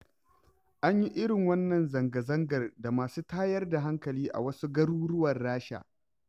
An yi irin wannan zanga-zangar da masu tayar da hankali a wasu garuruwan Rasha.